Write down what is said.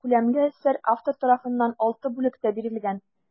Күләмле әсәр автор тарафыннан алты бүлектә бирелгән.